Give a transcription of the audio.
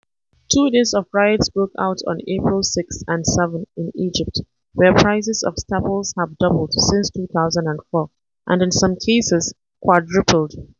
Two days of riots broke out on April 6 and 7 in Egypt, where prices of staples have doubled since 2004 (and in some cases quadrupled).